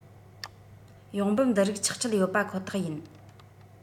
ཡོང འབབ འདི རིགས ཆག འཕྲད ཡོད པ ཁོ ཐག ཡིན